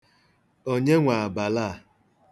Onye nwe abala a?